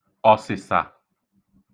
ọ̀sị̀sà